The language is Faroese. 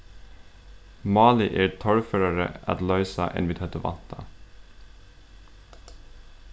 málið er torførari at loysa enn vit høvdu væntað